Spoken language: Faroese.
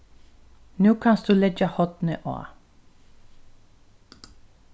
nú kanst tú leggja hornið á